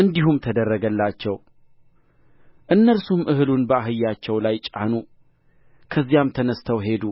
እንዲሁም ተደረገላቸው እነርሱም እህሉን በአህዮቻቸው ላይ ጫኑ ከዚያም ተነሥተው ሄዱ